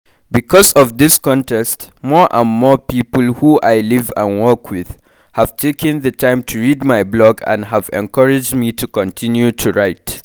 Because of this contest, more and more people who I live and work with have taken the time to read my blog and have encouraged me to continue to write.